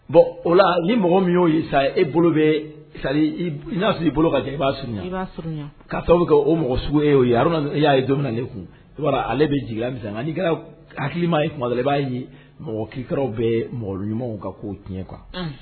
Bon o la ni mɔgɔ min y'o ye sa e bolo bɛ'a ii bolo ka i b' surunurun ka bɛ kɛ o mɔgɔ sugu e' ye y'a ye don ne kun ale bɛ jiginmi n' kɛra hakili ma ye kuma b'a ye mɔgɔ kika bɛ mɔgɔ ɲumanw kan'o tiɲɛ kuwa